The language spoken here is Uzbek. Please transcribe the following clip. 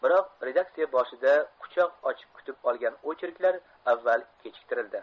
birok redaktsiya boshida quchoq ochib kutib olgan ocherklar avval kechiktirildi